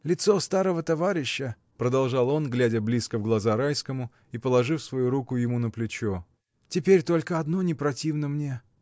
Лицо старого товарища, — продолжал он, глядя близко в глаза Райскому и положив свою руку ему на плечо, — теперь только одно не противно мне.